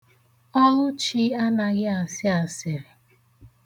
Ọlụchi anaghị asị asịrị.